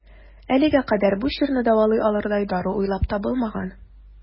Әлегә кадәр бу чирне дәвалый алырдай дару уйлап табылмаган.